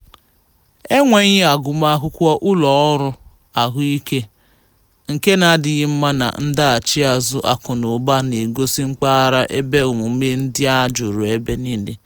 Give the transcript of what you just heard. Enweghị agụmakwụkwọ, ụlọ ọrụ ahụike nke na-adịghị mma na ndaghachi azụ akụ na ụba na-egosi mpaghara ebe omume ndị a juru ebe niile.